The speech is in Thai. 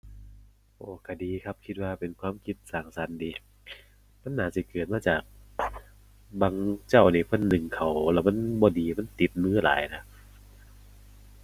โอ้ ก็ดีครับ คิดว่าเป็นความคิดสร้างสรรค์ดี มันน่าสิเกิดมาจาก บางเจ้านี่เพิ่นนึ่งข้าวแล้วมันบ่ดี มันติดมือหลายนะ